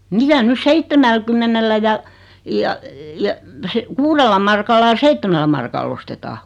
mitä nyt seitsemälläkymmenellä ja ja ja - kuudella markalla ja seitsemällä markalla ostetaan